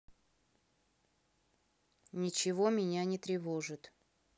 ничего меня не тревожит